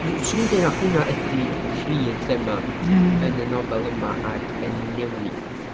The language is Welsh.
S- 'swn i'n deud mai hwnna ydy y prif thema... ia ...yn y nofel yma ac y newid.